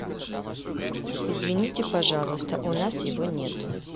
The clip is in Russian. извините пожалуйста у нас его нету